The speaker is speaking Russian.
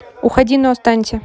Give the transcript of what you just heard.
уходи но останься